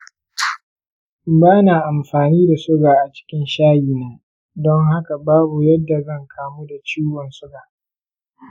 ba na amfani da suga a cikin shayina, dun haka babu yadda zan kamu da ciwon suga.